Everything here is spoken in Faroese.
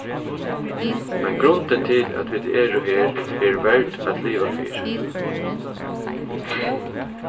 men grundin til at vit eru her er verd at liva fyri